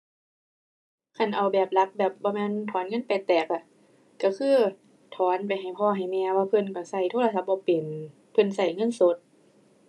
คันเอาแบบหลัก แบบบ่แม่นถอนเงินไปแตกอะ ก็คือ ถอนไปให้พ่อให้แม่ ว่าเพิ่นก็ก็โทรศัพท์บ่เป็น เพิ่นก็เงินสด